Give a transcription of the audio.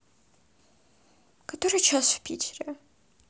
который час в питере